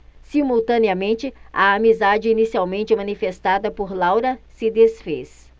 simultaneamente a amizade inicialmente manifestada por laura se disfez